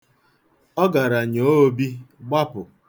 Ọ gara nyoo Obi, gbapụ.